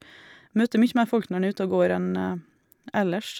Møter mye mer folk når en er ute og går enn ellers.